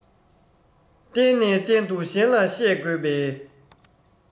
གཏན ནས གཏན དུ གཞན ལ བཤད དགོས པའི